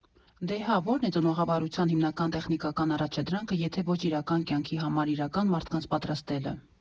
Դե հա, որն է ծնողավարության հիմնական տեխնիկական առաջադրանքը, եթե ոչ իրական կյանքի համար իրական մարդկանց պատրաստելը։